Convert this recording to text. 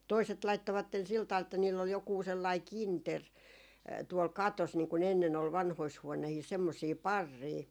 toiset laittoivat sillä tavalla että niillä oli joku sellainen kinteri tuolla katossa niin kun ennen oli vanhoissa huoneissa semmoisia parreja